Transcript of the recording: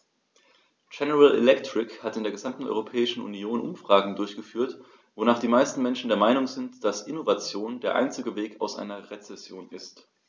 General Electric hat in der gesamten Europäischen Union Umfragen durchgeführt, wonach die meisten Menschen der Meinung sind, dass Innovation der einzige Weg aus einer Rezession ist.